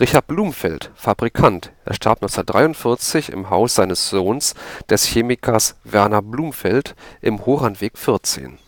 Richard Blumenfeld, Fabrikant, er starb 1943 im Haus seines Sohnes, des Chemikers Werner Blumenfeld, im Horandweg 14